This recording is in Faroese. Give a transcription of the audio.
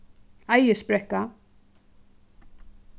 eiðisbrekka